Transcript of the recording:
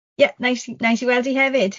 Ie, neis i neis i weld ti hefyd.